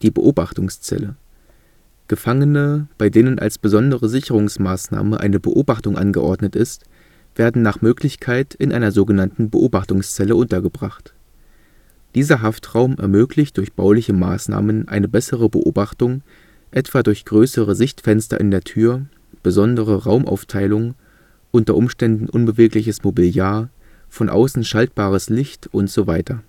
Beobachtungszelle: Gefangene, bei denen als besondere Sicherungsmaßnahme eine Beobachtung angeordnet ist, werden nach Möglichkeit in einer sog. Beobachtungszelle untergebracht. Dieser Haftraum ermöglicht durch bauliche Maßnahmen eine bessere Beobachtung, etwa durch größere Sichtfenster in der Tür, besondere Raumaufteilung, u. U. unbewegliches Mobiliar, von außen schaltbares Licht usw.